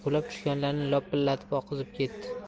qulab tushganlarni lopillatib oqizib ketdi